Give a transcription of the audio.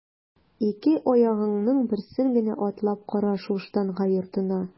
Ике аягыңның берсен генә атлап кара шул штанга йортына!